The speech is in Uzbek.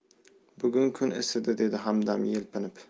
bugun kun isidi dedi hamdam yelpinib